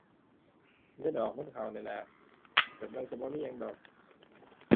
เงินออกเงินเข้านี่แหละ ก็บ่ได้ ก็บ่มีหยังดอก